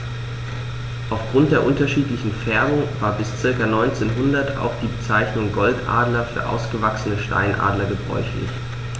Auf Grund der unterschiedlichen Färbung war bis ca. 1900 auch die Bezeichnung Goldadler für ausgewachsene Steinadler gebräuchlich.